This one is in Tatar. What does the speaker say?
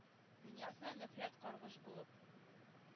Дөньясына нәфрәт, каргыш булып